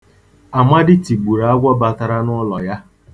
Amadi tigburu ag̣wọ batara n'ụlọ ya.